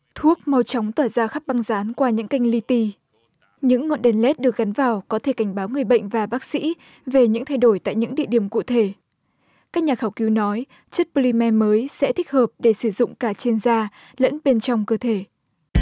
thuốc mau chóng tỏa ra khắp băng dán qua những kênh li ti những ngọn đèn lét được gắn vào có thể cảnh báo người bệnh và bác sĩ về những thay đổi tại những địa điểm cụ thể các nhà khảo cứu nói chất pô li me mới sẽ thích hợp để sử dụng cả trên da lẫn bên trong cơ thể